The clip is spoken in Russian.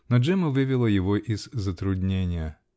Но Джемма вывела его из затруднения.